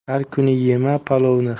har kuni yema palovni